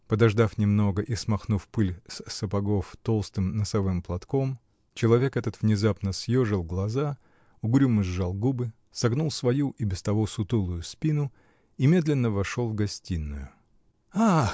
Подождав немного и смахнув пыль с сапогов толстым носовым платкам, человек этот внезапно съежил глаза, угрюмо сжал губы, согнул свою, и без того сутулую, спину я медленно вошел в гостиную. -- А!